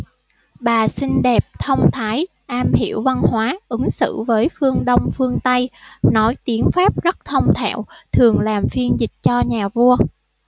bà xinh đẹp thông thái am hiểu văn hóa ứng xử với phương đông phương tây nói tiếng pháp rất thông thạo thường làm phiên dịch cho nhà vua